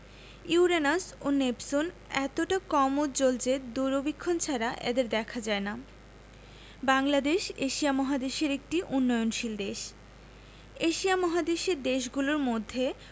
Uranus ও Neptune এতটা কম উজ্জ্বল যে দূরবীক্ষণ ছাড়া এদের দেখা যায় না বাংলাদেশ এশিয়া মহাদেশের একটি উন্নয়নশীল দেশ এশিয়া মহাদেশের দেশগুলোর মধ্যে